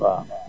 waaw